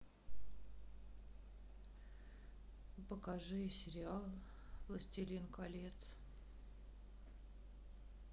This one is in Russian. покажи сериал властелин колец